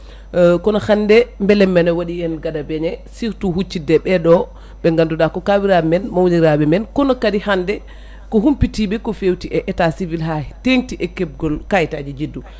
kono hande beele meɗe waɗi * surtout huccidde e ɓeeɗo ɓe ganduɗa ko kawiraɓe men mawniraɓe me kono kadi hande ko humpitiɓe ko fewti e état civil ha tengkti e kebgol kayitaji juddu